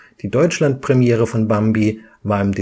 Die Deutschlandpremiere von Bambi war